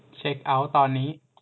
เช็คเอ้าท์ตอนนี้